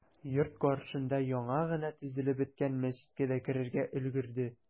Йорт каршында яңа гына төзелеп беткән мәчеткә дә керергә өлгерде.